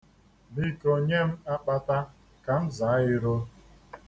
Biko nye m akpata ka m zaa iro.